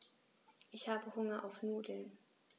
Ich habe Hunger auf Nudeln.